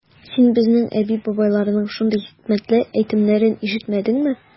Син безнең әби-бабайларның шундый хикмәтле әйтемнәрен ишетмәдеңме?